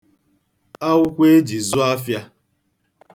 aụkwọ e ji zụ afịa